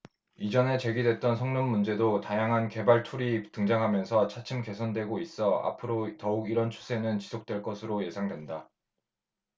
이전에 제기됐던 성능문제도 다양한 개발툴이 등장하면서 차츰 개선되고 있어 앞으로 더욱 이런 추세는 지속될 것으로 예상된다